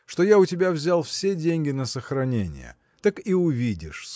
что я у тебя взял все деньги на сохранение так и увидишь